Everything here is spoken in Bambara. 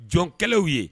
Jɔnkɛlaww ye